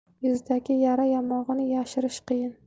yuzdagi yara yamog'ini yashirish qiyin